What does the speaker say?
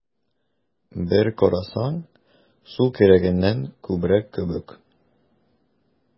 Бер карасаң, су кирәгеннән күбрәк кебек: